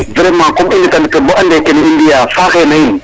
vraiment comme i ndeta bo ande kene i mbi'aa faaxee na in